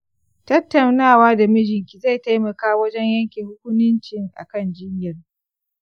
tattaunawa da mijinki zai taimaka wajen yanke hukunicin akan jinyar.